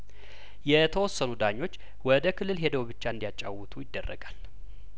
የተወሰኑ ዳኞች ወደ ክልል ሄደው ብቻ እንዲያጫውቱ ይደረጋል